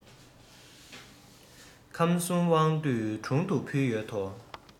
ཁམས གསུམ དབང འདུས དྲུང དུ ཕུལ ཡོད དོ